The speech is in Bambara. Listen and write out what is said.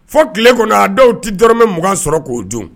Fɔ tile kɔnɔ a dɔw tɛ dɔrɔnɔrɔmɛugan sɔrɔ k'o dun